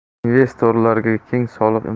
investorlarga keng soliq